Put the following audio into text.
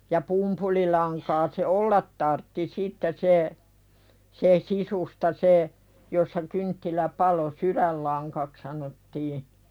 ja pumpulilankaa se olla tarvitsi sitten se se sisusta se jossa kynttilä paloi sydänlangaksi sanottiin